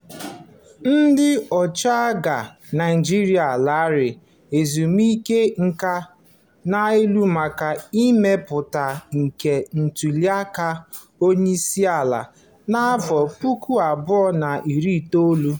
Ndị ọchịagha Naịjirịa lara ezumike nka na-alụ maka mmetụta nke ntụliaka onyeisiala 2019